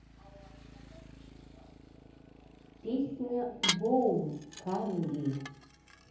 песня boom канги